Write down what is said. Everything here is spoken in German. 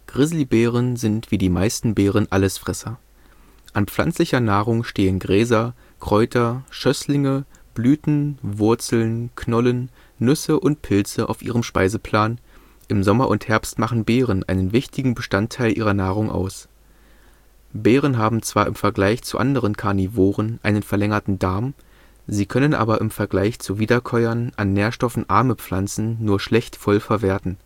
Grizzlybären sind wie die meisten Bären Allesfresser. An pflanzlicher Nahrung stehen Gräser, Kräuter, Schösslinge, Blüten, Wurzeln, Knollen, Nüsse und Pilze auf ihrem Speiseplan; im Sommer und Herbst machen Beeren einen wichtigen Bestandteil ihrer Nahrung aus. Bären haben zwar im Vergleich zu anderen Carnivoren einen verlängerten Darm. Sie können aber im Vergleich zu Wiederkäuern an Nährstoffen arme Pflanzen nur schlecht voll verwerten